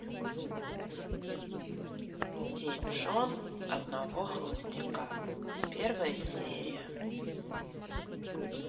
семь жен одного холостяка первая серия